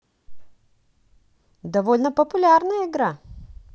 довольно популярная игра